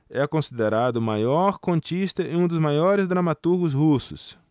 é considerado o maior contista e um dos maiores dramaturgos russos